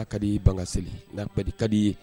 ' kadi i ye bange seli n'ap kadi ye